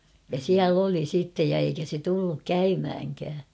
ja siellä oli sitten ja eikä se tullut käymäänkään